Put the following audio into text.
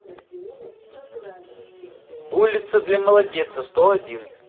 улица для молодеца сто один